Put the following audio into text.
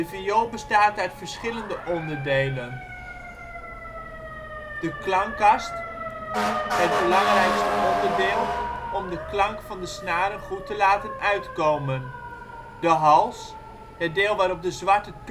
viool bestaat uit verschillende onderdelen zoals: De klankkast, het belangrijkste onderdeel, om de klank van de snaren goed te laten uitkomen. De hals, het deel waarop de zwarte